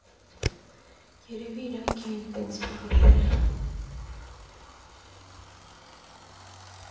Երևի իրանք էին տենց որոշել։